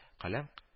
Каләм